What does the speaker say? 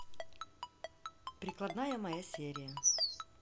прикладная моя серия